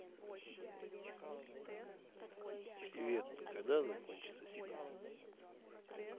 привет когда закончится снег